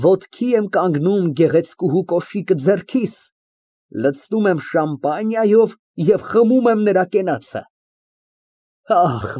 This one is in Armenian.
Ոտքի եմ կանգնում գեղեցկուհու կոշիկը ձեռքիս լցնում եմ շամպանիայով և խմում եմ նրա կենացը։